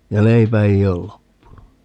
ja leipä ei ole loppunut niin